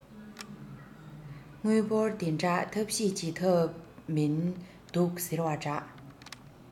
དངུལ འབོར འདི འདྲ ཐབས ཤེས བྱེད ཐབས མིན འདུག ཟེར བ འདྲ